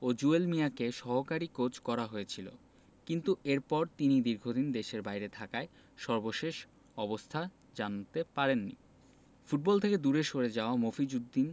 তিনি বলেন মফিজ উদ্দিনকে প্রধান কোচ ও জুয়েল মিয়াকে সহকারী কোচ করা হয়েছিল কিন্তু এরপর তিনি দীর্ঘদিন দেশের বাইরে থাকায় সর্বশেষ অবস্থা জানতে পারেননি